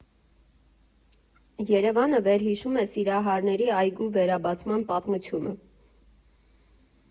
ԵՐԵՎԱՆը վերհիշում է Սիրահարների այգու վերաբացման պատմությունը։